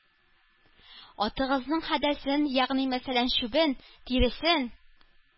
Атыгызның хәдәсен, ягъни мәсәлән, чүбен, тиресен.